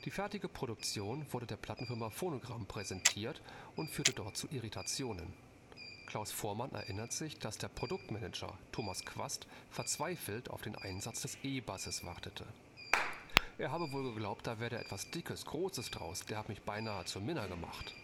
fertige Produktion wurde der Plattenfirma Phonogram präsentiert und führte dort zu Irritationen. Klaus Voormann erinnert sich, dass der Produktmanager Thomas Quast verzweifelt auf den Einsatz des E-Basses wartete: „ Er habe wohl geglaubt, da werde was Dickes, Großes draus. Der hat mich beinahe zur Minna gemacht